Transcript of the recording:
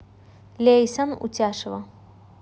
лейсан утяшева